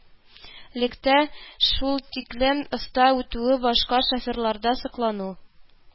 Лектә шултиклем оста үтүе башка шоферларда соклану